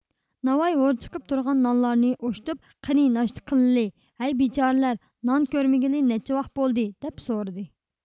ناۋاي ھور چىقىپ تۇرغان نانلارنى ئوشتۇپ قېنى ناشتا قىلىلى ھەي بىچارىلەر نان كۆرمىگىلى نەچچە ۋاخ بولدى دەپ سورىدى